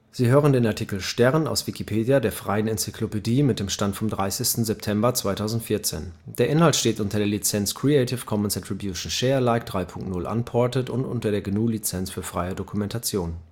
Sie hören den Artikel Stern, aus Wikipedia, der freien Enzyklopädie. Mit dem Stand vom Der Inhalt steht unter der Lizenz Creative Commons Attribution Share Alike 3 Punkt 0 Unported und unter der GNU Lizenz für freie Dokumentation